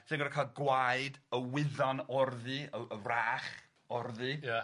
Felly gorod ca'l gwaed y wyddan orddu y y wrach orddu. Ia.